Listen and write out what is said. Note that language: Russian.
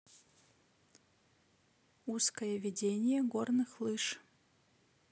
узкое ведение горных лыж